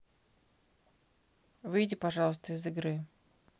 выйди пожалуйста из игры